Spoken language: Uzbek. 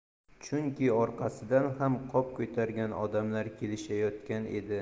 chunki orqasidan ham qop ko'targan odamlar kelishayotgan edi